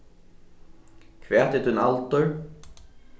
hvat er tín aldur